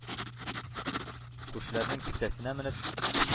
Күршеләрнең киртәсенә менеп,